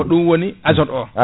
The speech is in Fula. ko ɗum woni azote o